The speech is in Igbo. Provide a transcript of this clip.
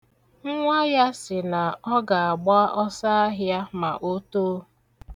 Nwa ya sị na ọ ga-agba ọsọahịa ma o too.